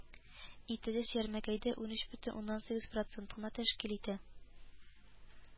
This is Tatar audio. Ителеш ярмәкәйдә унөч бөтен уннан сигез процент кына тәшкил итә